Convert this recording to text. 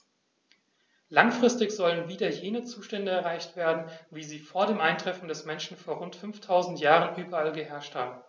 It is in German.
Langfristig sollen wieder jene Zustände erreicht werden, wie sie vor dem Eintreffen des Menschen vor rund 5000 Jahren überall geherrscht haben.